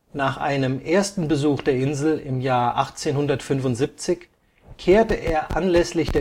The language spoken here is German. Nach einem ersten Besuch der Insel im Jahr 1875 kehrte er anlässlich